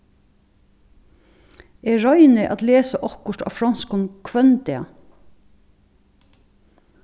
eg royni at lesa okkurt á fronskum hvønn dag